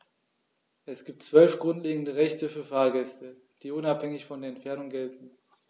Es gibt 12 grundlegende Rechte für Fahrgäste, die unabhängig von der Entfernung gelten.